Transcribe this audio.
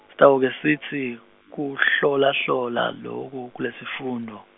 Sitawuke sitsi, kuhlolahlola, loku, kulesifundvo.